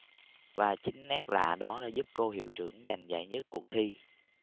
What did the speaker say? và chính nét lạ đó đã giúp cô hiệu trưởng giành giải nhất cuộc thi